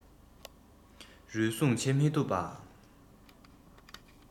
རུལ སུངས བྱེད མི ཐུབ པ